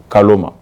Kalo ma